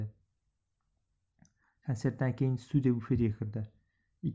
konsertdan keyin studiya bufetiga kirdi